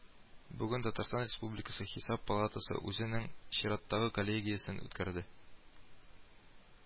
Бүген татарстан республикасы Хисап палатасы үзенең чираттагы коллегиясен үткәрде